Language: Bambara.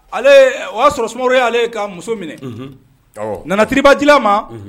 Ale ye , o ya sɔrɔ sumaworo ye ale ka muso minɛ . Nana tiriba di la ma